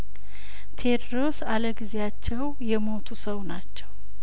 ቴድሮስ አለግዜያቸው የሞቱ ሰው ናቸው